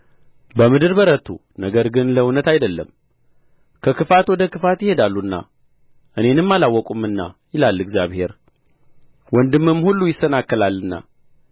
በምድር በረቱ ነገር ግን ለእውነት አይደለም ከክፋት ወደ ክፋት ይሄዳሉና እኔንም አላወቁምና ይላል እግዚአብሔር ወንድምም ሁሉ ያሰናክላልና